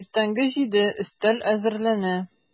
Иртәнге җиде, өстәл әзерләнә.